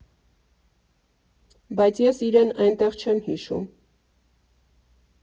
Բայց ես իրեն էնտեղ չեմ հիշում։